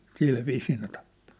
sillä viisiin ne tappoi